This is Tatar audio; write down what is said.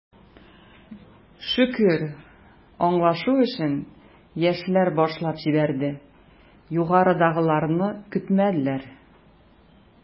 Шөкер, аңлашу эшен, яшьләр башлап җибәрде, югарыдагыларны көтмәделәр.